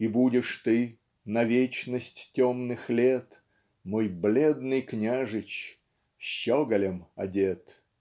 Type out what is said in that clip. И будешь ты, на вечность темных лет, Мой бледный княжич, щеголем одет. .